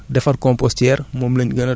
wala nga def sax compostage en tas